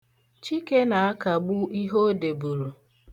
Chike na-akagbu ihe o debụrụ.